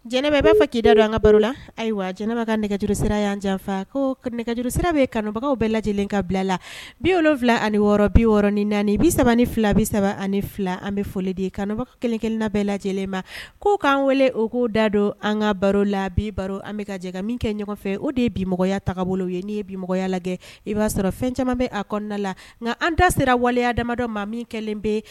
Jɛnɛ b'a fɔ k'da don an ka baro la ayiwa jɛnɛma ka nɛgɛjuru sira yan janfa ko nɛgɛjuru sira bɛ kanubagaw bɛɛ lajɛ lajɛlen ka bila la bi wolonwula ani biɔrɔn ni naani bi saba ni fila bi3 ani fila an bɛ foli di kanbaga kelenkelenla bɛɛ lajɛ lajɛlen ma ko k'an wele o k'o da don an ka baro la bi baro an bɛ ka ka min kɛ ɲɔgɔn fɛ o de ye bimɔgɔya bolo ye n'i ye bimɔgɔya lajɛ i b'a sɔrɔ fɛn caman bɛ a kɔnɔnada la nka an da sira waleya damadɔ maa min kɛlen bɛ